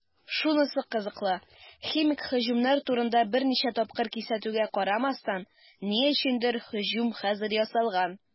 Шунысы кызыклы, химик һөҗүмнәр турында берничә тапкыр кисәтүгә карамастан, ни өчендер һөҗүм хәзер ясалган.